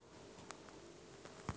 трубная система отопления